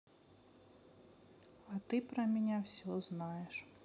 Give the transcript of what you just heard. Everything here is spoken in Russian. а ты про меня все знаешь